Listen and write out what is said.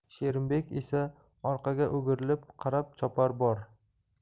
sherimbek esa orqaga o'girilib qarab chopar bor